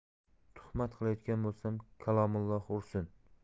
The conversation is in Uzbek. tuhmat qilayotgan bo'lsam kalomullo ursin